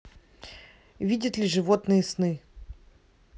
видят ли животные сны